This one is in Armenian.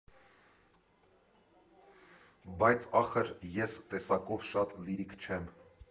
Բայց ախր ես տեսակով շատ լիրիկ չեմ։